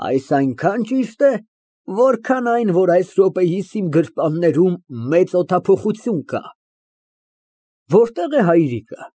Այս այնքան ճիշտ է, որքան այն, որ այս րոպեիս իմ գրպաններում մեծ օդափոխանակություն կա։ (Դադար) Որտե՞ղ է Հայրիկը։